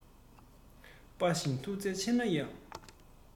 དཔའ ཞིང མཐུ རྩལ ཆེ ན ཡང